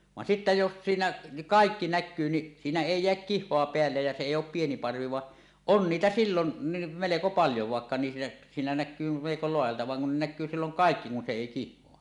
vaan sitten jos siinä niin kaikki näkyy niin siinä ei jää kihoa päälle ja se ei ole pieni parvi vaan on niitä silloinkin melko paljon vaikka niissä siinä näkyy melko laajalta vaan ne kun näkyy silloin kaikki kun se ei kihoa